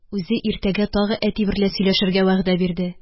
Үзе иртәгә тагы әти берлә сөйләшергә вәгъдә бирде